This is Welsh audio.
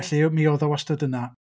Ymm felly mi oedd o wastad yna.